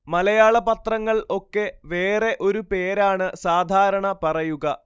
മലയാള പത്രങ്ങൾ ഒക്കെ വേറെ ഒരു പേരാണ് സാധാരണ പറയുക